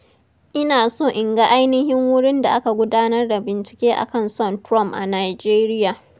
Ina so in ga ainihin wurin da aka gudanar da bincike a kan son Trump a Nijeriya.